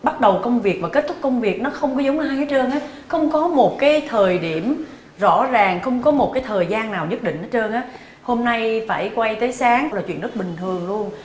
bắt đầu công việc và kết thúc công việc nó không có giống ai hết trơn hết á không có một cái thời điểm rõ ràng không có một cái thời gian nào nhất định hết trơn á hôm nay phải quay tới sáng là chuyện rất bình thường luôn